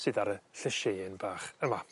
sydd ar y llyseien bach yma